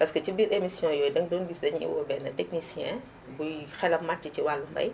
parce que ci biir émissions yooyu danga doon gis dañuy woo benn technicien buy xelam màcc si wàllum mbay